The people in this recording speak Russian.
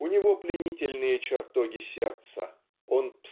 У него пленительные чертоги сердца он